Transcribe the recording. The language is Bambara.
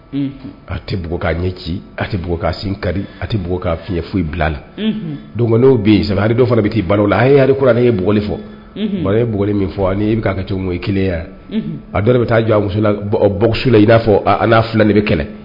A tɛ ɲɛ ci tɛ sin ka a tɛ fiɲɛ foyi bila la don bɛ yen saba fana bɛ balo la a ye bli fɔ b fɔ kelen a dɔ bɛ taa jɔla i n'a fɔ an n'a de bɛ kɛlɛ